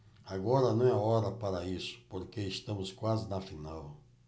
agora não é hora para isso porque estamos quase na final